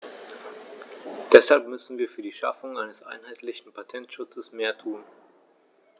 Deshalb müssen wir für die Schaffung eines einheitlichen Patentschutzes mehr tun.